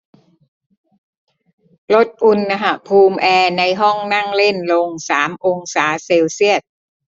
ลดอุณหภูมิแอร์ในห้องนั่งเล่นลงสามองศาเซลเซียส